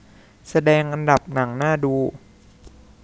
แสดงอันดับหนังน่าดู